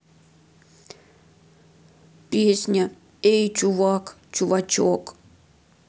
песня эй чувак чувачок